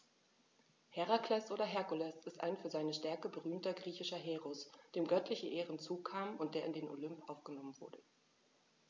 Herakles oder Herkules ist ein für seine Stärke berühmter griechischer Heros, dem göttliche Ehren zukamen und der in den Olymp aufgenommen wurde.